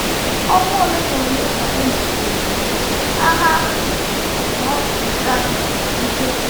Ọnwa ole na ole ka e mesịrị, Agha Ahụ nọ n'Iraq amalite.